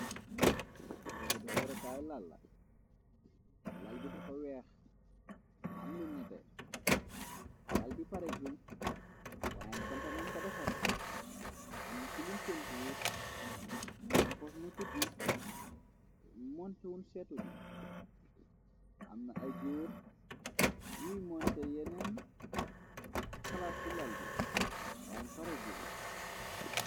Barebu deforokaay làl la, lal bi dafa weex am lu nete, lal bi paregul waanen banta leen ka defare, amna ci luñ pentur, impos ñokkut bi monte wuñ seetu bi, amna ay góor yuy monte yeneen palas si lal bi waayeen pare gul.